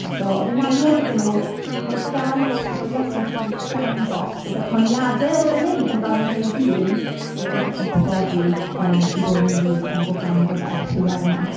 So oedd hi'n amlwg iddyn nhw fod gan Iesu... bod Iesu'n gallu dangos bod yr honiadau oedd e'n wneud amdano fe'i hun bod e'n gallu profi yym eu bo' nhw'n wir, gan bo' ganddo fe'r pŵer yma.